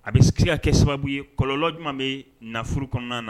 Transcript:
A bɛ s ka kɛ sababu ye kɔlɔlɔnlɔ jumɛnuma bɛ nafuru kɔnɔna na